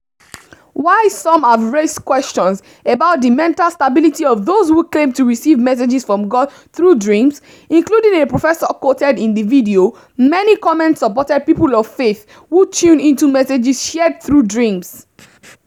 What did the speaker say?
While some have raised questions about the mental stability of those who claim to receive messages from God through dreams, including a professor quoted in the video, many comments supported people of faith who tune into messages shared through dreams.